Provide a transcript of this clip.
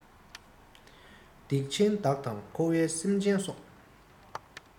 སྡིག ཆེན བདག དང འཁོར བའི སེམས ཅན སོགས